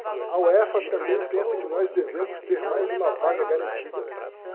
a uefa também pensa que nós devemos ter mais uma vaga garantida